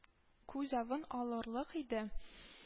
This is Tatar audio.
Күз авын алырлык иде